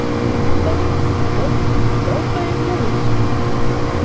топ топ топает малыш